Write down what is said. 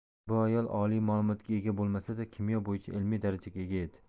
bu ayol oliy ma'lumotga ega bo'lmasada kimyo bo'yicha ilmiy darajaga ega edi